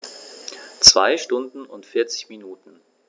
2 Stunden und 40 Minuten